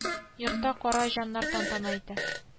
Йортта кара җаннар тантана итә